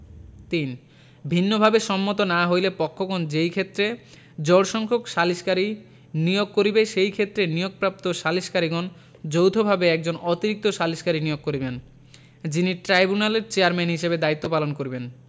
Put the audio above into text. ৩ ভিন্নভাবে সম্মত না হইলে পক্ষগণ যেইক্ষেত্রে জোড়সংখ্যক সালিসকারী য়য়োগ করিবে সেইক্ষেত্রে নিয়োগপ্রাপ্ত সালিসকারীগণ যৌথভাবে একজন অতিরিক্ত সালিসকারী নিয়োগ করিবেন যিনি ট্রাইব্যুনালের চেয়ারম্যান হিসাবে দায়িত্ব পালন করিবেন